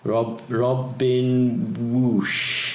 Rob- Robin Whoosh.